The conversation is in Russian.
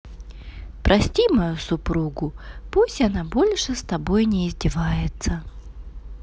прости мою супругу пусть она больше с тобой не издевается